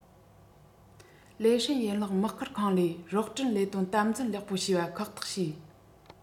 ལེ ཧྲན ཡན ལག དམག ཁུལ ཁང ལས རོགས སྐྲུན ལས དོན དམ འཛིན ལེགས པོར བྱོས པ ཁག ཐག བྱོས